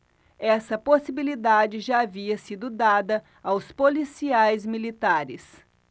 essa possibilidade já havia sido dada aos policiais militares